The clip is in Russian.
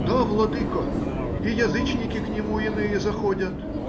— Да, владыко, и язычники к нему иные заходят.